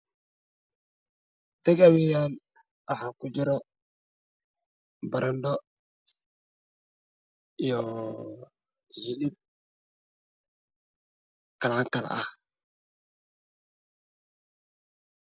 Waa saxan waxaa ku jira baradha iyo hilib kalaanka la ah waxa uu saaran yahay mid madow